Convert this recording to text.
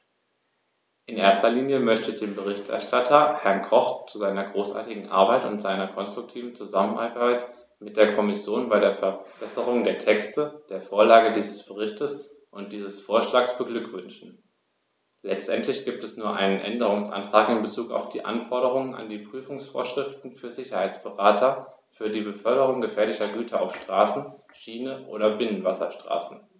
In erster Linie möchte ich den Berichterstatter, Herrn Koch, zu seiner großartigen Arbeit und seiner konstruktiven Zusammenarbeit mit der Kommission bei der Verbesserung der Texte, der Vorlage dieses Berichts und dieses Vorschlags beglückwünschen; letztendlich gibt es nur einen Änderungsantrag in bezug auf die Anforderungen an die Prüfungsvorschriften für Sicherheitsberater für die Beförderung gefährlicher Güter auf Straße, Schiene oder Binnenwasserstraßen.